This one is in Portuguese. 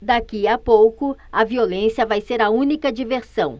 daqui a pouco a violência vai ser a única diversão